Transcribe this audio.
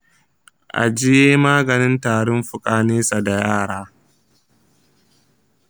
ajiye maganin tarin fuka nesa da yara.